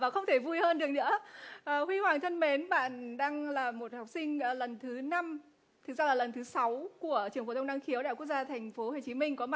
và không thể vui hơn được nữa huy hoàng thân mến bạn đang là một học sinh ờ lần thứ năm thực ra là lần thứ sáu của trường phổ thông năng khiếu đại quốc gia thành phố hồ chí minh có mặt